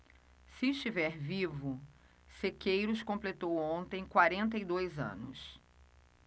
se estiver vivo sequeiros completou ontem quarenta e dois anos